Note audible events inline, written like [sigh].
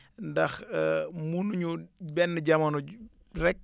ndax [hesitation] munuñu benn jamono rek